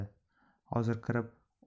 hozir kirib